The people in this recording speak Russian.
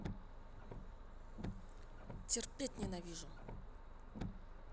терпеть ненавижу